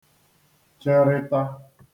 cherịta